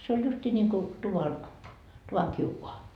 se oli justiin niin kuin tuvan tuvan kiuas